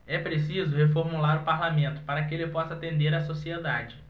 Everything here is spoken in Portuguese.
é preciso reformular o parlamento para que ele possa atender a sociedade